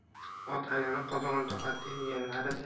ot aylanib qozig'ini topadi deganlar